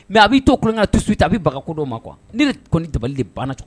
Mɛ a bɛ'i to kolon ka to su ta a bɛ bakodɔn ma kuwa ne kɔni dabali banna cogo